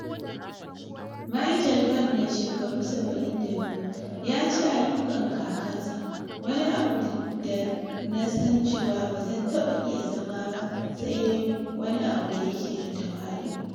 Shi da ɗan'uwansa, Dr James Vann, sun kuma sanya kyalle bayan faretin, wanda Brentwood Imperial Youth Band ya jagoranta.